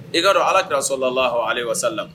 I k'a dɔn Alakira salalahu alehi wa salamu